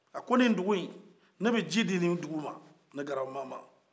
a ko nin dugu in ne bɛ ji di dugu in man ne garabamama